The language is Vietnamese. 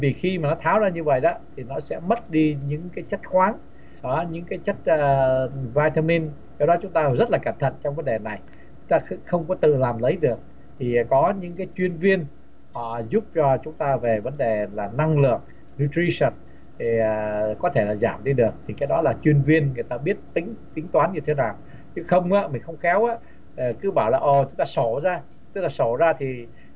vì khi mà nó tháo ra như vậy đó thì nó sẽ mất đi những cái chất khoáng ở những cái chất à vai tờ min cái đó chúng ta rất là cẩn thận trong vấn đề này thật sự không có tự làm lấy được thì có nhưng các chuyên viên à giúp cho chúng ta về vấn đề là năng lượng ni tri sạch thì có thể giảm đi được thì cái đó là chuyên viên người ta biết tĩnh tính toán như thế nào chứ không mình không khéo để cứ bảo là ờ chúng ta sổ ra tức là sổ ra thì